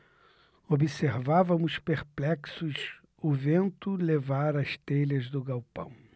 observávamos perplexos o vento levar as telhas do galpão